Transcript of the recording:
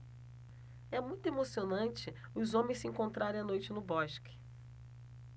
é muito emocionante os homens se encontrarem à noite no bosque